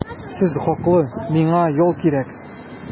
Сез хаклы, миңа ял кирәк.